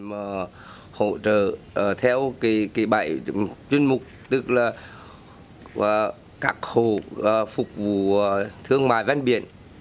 mà hổ trợ ở theo kỳ kỳ bảy chuyên mục tức là vợ các hộ ga phục vụ thương mại ven biển